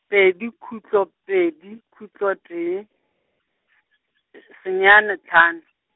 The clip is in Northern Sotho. pedi khutlo, pedi khutlo, tee , senyane tlhano.